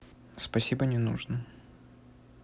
спасибо не нужно